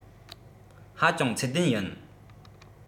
ཧ ཅང ཚད ལྡན ཡིན